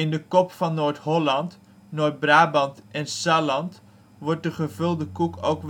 de Kop van Noord-Holland, Noord-Brabant en Salland wordt de gevulde koek ook